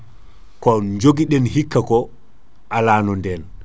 * ko joogui ɗen hikka ko alano nden